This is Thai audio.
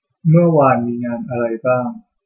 เมื่อวานมีงานอะไรบ้าง